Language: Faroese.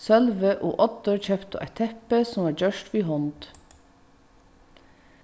sølvi og oddur keyptu eitt teppi sum var gjørt við hond